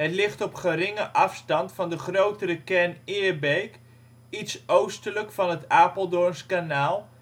ligt op geringe afstand van de grotere kern Eerbeek, iets oostelijk van het Apeldoorns Kanaal